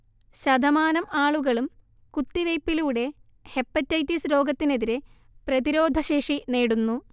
ശതമാനം ആളുകളും കുത്തിവെയ്പിലൂടെ ഹെപ്പറ്റൈറ്റിസ് രോഗത്തിനെതിരെ പ്രതിരോധശേഷി നേടുന്നു